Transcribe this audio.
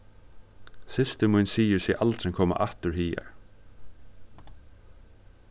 systir mín sigur seg aldrin koma aftur higar